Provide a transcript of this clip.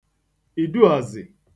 ìdùàzị̀